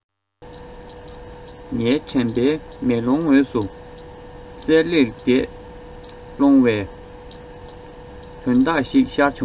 ངའི དྲན པའི མེ ལོང ངོས སུ གསལ ལེར འདས སོང པའི དོན དག ཞིག ཤར བྱུང